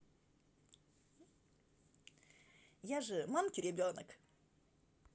я же monkey ребенок